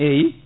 eyyi